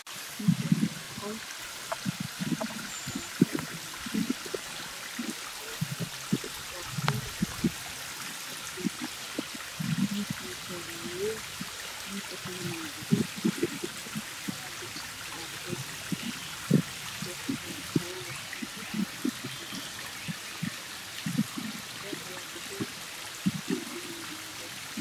Meeshani waa qol waxaa yaalo kuraasyo waa cadays miiskana waa cadaysi miiska waxaa saaran falar caagagr ah daaah waa cadays